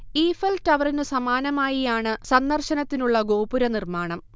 Eiffel ടവറിനു സമാനമായി ആണ് സന്ദര്ശനത്തിനുള്ള ഗോപുര നിർമാണം